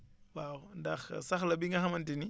waaw ndax sax la bi nga xamante ni